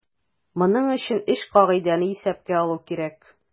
Моның өчен өч кагыйдәне исәпкә алу кирәк.